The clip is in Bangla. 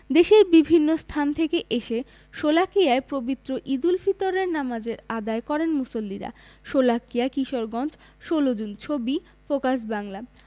দেশের বিভিন্ন স্থান থেকে এসে শোলাকিয়ায় পবিত্র ঈদুল ফিতরের নামাজ আদায় করেন মুসল্লিরা শোলাকিয়া কিশোরগঞ্জ ১৬ জুন ছবি ফোকাস বাংলা